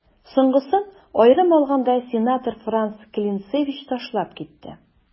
Соңгысын, аерым алганда, сенатор Франц Клинцевич ташлап китте.